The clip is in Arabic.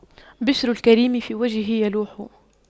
بِشْرُ الكريم في وجهه يلوح